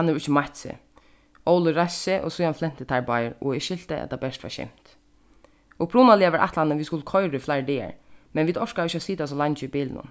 hann hevur ikki meitt seg óli reisti seg og síðani flentu teir báðir og eg skilti at tað bert var skemt upprunaliga var ætlanin at vit skuldu koyra í fleiri dagar men vit orkaðu ikki at sita so leingi í bilinum